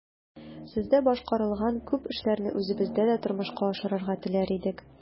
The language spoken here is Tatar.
Сездә башкарылган күп эшләрне үзебездә дә тормышка ашырырга теләр идек.